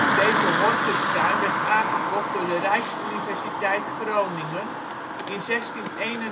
Deze Hortustuin werd aangekocht door de Rijksuniversiteit Groningen in 1691